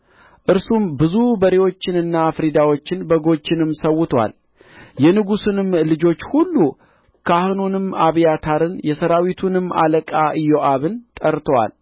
እርሱም ብዙ በሬዎችንና ፍሪዳዎችን በጎችንም ሠውቶአል የንጉሡንም ልጆች ሁሉ ካህኑንም አብያታርን የሠራዊቱንም አለቃ ኢዮአብን ጠርቶአል